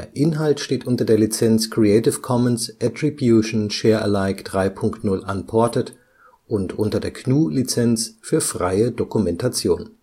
Inhalt steht unter der Lizenz Creative Commons Attribution Share Alike 3 Punkt 0 Unported und unter der GNU Lizenz für freie Dokumentation